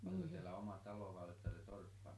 oliko teillä oma talo vai olitteko te torppana